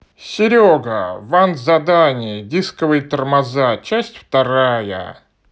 seryoga ван задние дисковые тормоза часть вторая